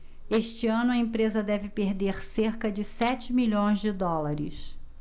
este ano a empresa deve perder cerca de sete milhões de dólares